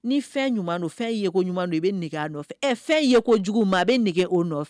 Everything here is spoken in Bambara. Ni fɛn ɲuman don, fɛn yeko ɲuman don,i bɛ nege o nɔfɛ. Ɛ fɛn ye ko jugu, maa bɛ nege o nɔf